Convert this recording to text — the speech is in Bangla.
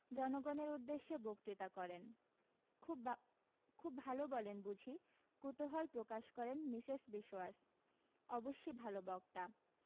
জনগণের উদ্দেশ্যে বক্তৃতা করেন খুব ভা খুব ভালো বলেন বুঝি কুতূহল প্রকাশ করেন মিসেস বিশোয়াস অবশ্যি ভালো বক্তা